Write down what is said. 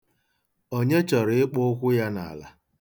Onye chọrọ ịkpọ ụkwụ ya n'ala?